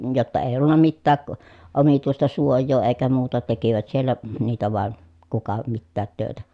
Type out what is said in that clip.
jotta ei ollut mitään omituista suojaa eikä muuta tekivät siellä niitä vain kuka mitäkin töitä